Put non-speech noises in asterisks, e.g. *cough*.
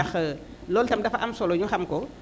ndax *hesitation* loolu itam dafa am solo ñu xam ko